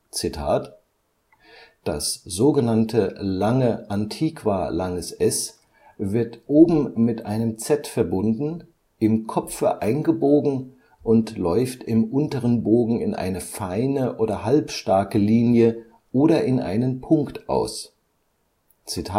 sz-Form: „ Das sogenannte lange Antiqua-ſ wird oben mit einem z verbunden, im Kopfe eingebogen und läuft im unteren Bogen in eine feine oder halbstarke Linie oder in einen Punkt aus. “Die